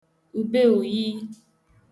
ube oyī